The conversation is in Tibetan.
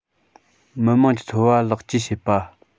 མི དམངས ཀྱི འཚོ བ ལེགས བཅོས བྱེད པ